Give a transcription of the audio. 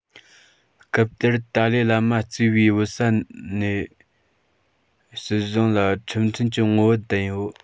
སྐབས དེར ཏཱ ལའི བླ མ གཙོས པའི བོད ས གནས སྲིད གཞུང ལ ཁྲིམས མཐུན གྱི ངོ བོ ལྡན ཡོད